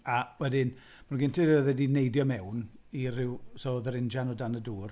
A wedyn, mor gynted oedd e wedi neidio mewn i ryw... so oedd yr injan o dan y dŵr.